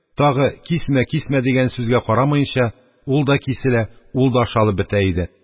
Тагы: «Кисмә, кисмә!» – дигән сүзгә карамаенча, ул да киселә, ул да ашалып бетә иде.